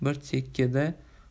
bir chekkada